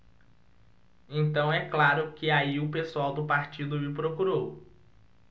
então é claro que aí o pessoal do partido me procurou